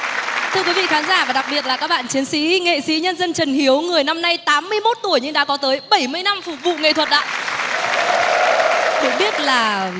thưa quý vị khán giả và đặc biệt là các bạn chiến sĩ nghệ sĩ nhân dân trần hiếu người năm nay tám mươi mốt tuổi nhưng đã có tới bảy mươi năm phục vụ nghệ thuật ạ được biết là